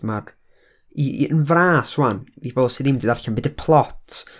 Ma'r, i, i, yn fras, 'wan, i bobl sy' ddim 'di darllen, be 'di'r plot?